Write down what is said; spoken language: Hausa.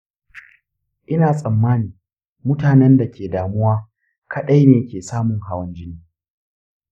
ina tsammani mutanen da ke damuwa kaɗai ne ke samun hawan jini.